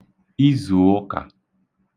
izụ̀ụkà